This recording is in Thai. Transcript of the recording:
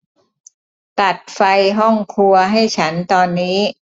ตัดไฟห้องครัวให้ฉันตอนนี้